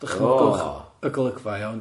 Dychmygwch... Oh. ...y golygfa iawn.